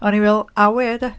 O'n i'n meddwl "awe de".